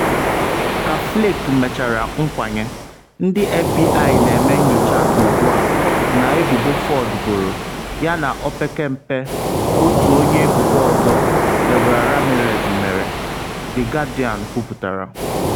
Ka Flake mechara nkwanye, ndị FBI na-eme nyocha ugbu a n’ebubo Ford boro, yana opekempe otu onye ebubo ọzọ, Deborah Ramirez mere, The Guardian kwuputara.